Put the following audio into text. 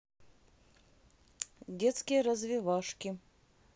детские развивашки